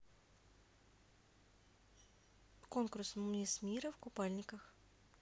конкурс мисс мира в купальниках